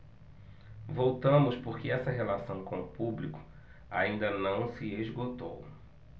voltamos porque essa relação com o público ainda não se esgotou